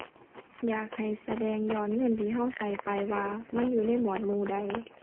อยากให้แสดงยอดเงินที่เราใส่ไปว่ามันอยู่ในหมวดหมู่ใด